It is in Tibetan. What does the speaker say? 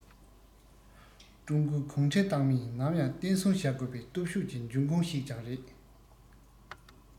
ཀྲུང གོའི གུང ཁྲན ཏང མིས ནམ ཡང བརྟན སྲུང བྱ དགོས པའི སྟོབས ཤུགས ཀྱི འབྱུང ཁུངས ཤིག ཀྱང རེད